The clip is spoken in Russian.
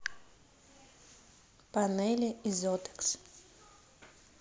панели изотекс